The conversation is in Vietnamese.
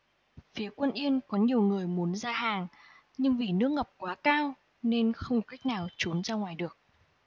phía quân yên có nhiều người muốn ra hàng nhưng vì nước ngập quá cao nên không có cách nào trốn ra ngoài được